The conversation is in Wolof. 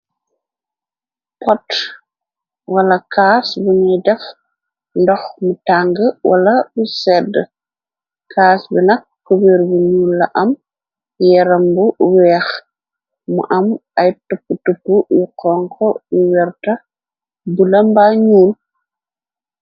Pot wala caas bu nay def ndox mu tàngue wala lusedd kaas bi nag ko wer bi nu la am yeram bu weex mu am ay tupp tupp yu xon ko yu werta bu lamba ñyuul.